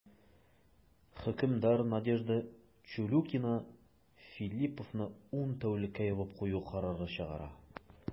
Хөкемдар Надежда Чулюкина Филлиповны ун тәүлеккә ябып кую карары чыгара.